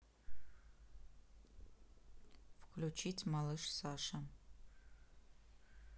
включить малыш саша